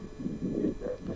waaw